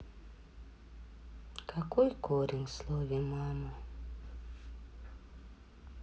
какой корень в слове мама